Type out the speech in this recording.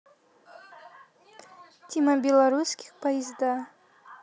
тима белорусских поезда